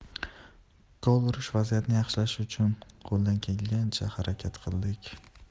gol urish vaziyatni yaxshilash uchun qo'ldan kelgancha harakat qildik